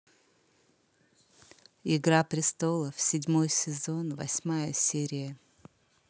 игра престолов седьмой сезон восьмая серия